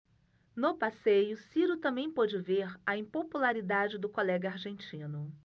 no passeio ciro também pôde ver a impopularidade do colega argentino